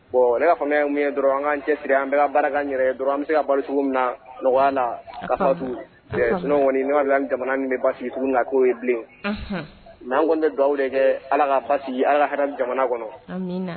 Bon ne ka fana mun ye dɔrɔn an cɛ siri an bɛ baara yɛrɛɛrɛ dɔrɔn an bɛ se ka balo min na la sun kɔni jamana min bɛ basi na k'o ye bilen nka an kɔn tɛ dugawu de kɛ ala ka basi alaha jamana kɔnɔ